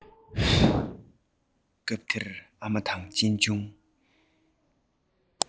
སྐབས དེར ཨ མ དང གཅེན གཅུང